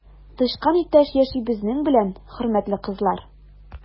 Тычкан иптәш яши безнең белән, хөрмәтле кызлар!